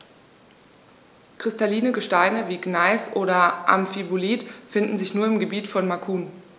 Kristalline Gesteine wie Gneis oder Amphibolit finden sich nur im Gebiet von Macun.